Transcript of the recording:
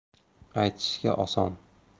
aytishga oson